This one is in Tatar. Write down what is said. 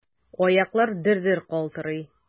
Аяклар дер-дер калтырый.